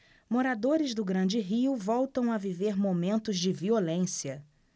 moradores do grande rio voltam a viver momentos de violência